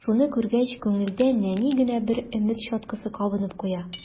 Шуны күргәч, күңелдә нәни генә бер өмет чаткысы кабынып куя.